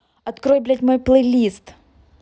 открой блядь мой плейлист